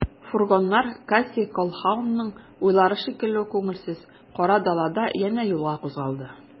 Фургоннар Кассий Колһаунның уйлары шикелле үк күңелсез, кара далада янә юлга кузгалды.